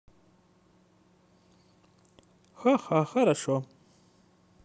ха ха хорошо